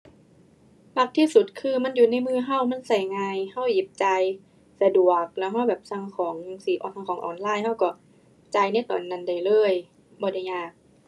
มักที่สุดคือมันอยู่ในมือเรา มันเราง่าย เราหยิบจ่ายสะดวก แล้วเราแบบสั่งของจั่งซี้ สั่งของออนไลน์ เราเราจ่ายในตอนนั้นได้เลย บ่ได้ยาก